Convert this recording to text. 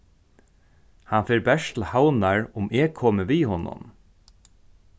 hann fer bert til havnar um eg komi við honum